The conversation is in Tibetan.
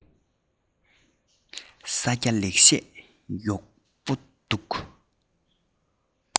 ས སྐྱ ལེགས བཤད ཡོག པོ འདུག